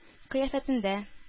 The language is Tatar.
Кыяфәтендә